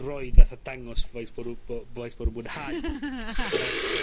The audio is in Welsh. roid fatha dangos faith bo' nw bo' faith bo' nw'n mwynhau... ...yr, yr...